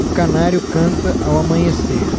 o canário canta ao amanhecer